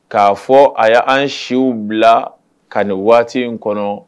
K'a fɔ a y' an siw bila ka nin waati in kɔnɔ